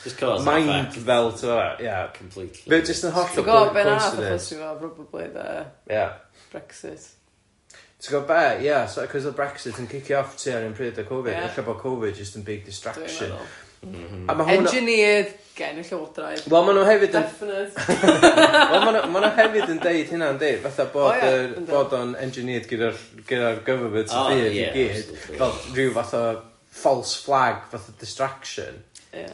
....mind fel ti'bod ia... ...ti'n gwybod be' 'nath achosi fo probably de? Ia? Brexit. Ti'n gwbo' be' ia, so, achos odd Brexit yn cicio off tua'r un pryd a Covid... Ia ...ella bod Covid jyst yn big distraction... Dwi'n meddwl ...M-hm... A ma' hwnna'n engineered gen y Llywodraeth. Wel ma' nhw hefyd yn... Definite Wel ma' nhw ma' nhw hefyd yn deud hynna yndi, fatha bod yr... O ia? ...Yndi bod o'n engineered gin yr- gin yr governments y byd i gyd fel ryw fath o false flag fatha distraction... Ia.